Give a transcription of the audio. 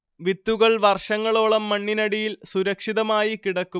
വിത്തുകൾ വർഷങ്ങളോളം മണ്ണിനടിയിൽ സുരക്ഷിതമായി കിടക്കും